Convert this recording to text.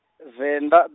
Venḓa .